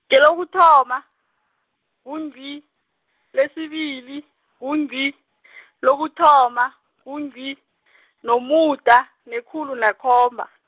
ngelokuthoma, ngungci, lesibili, ngungci , lokuthoma, ngungci , nomuda, nekhulu, nakhomba.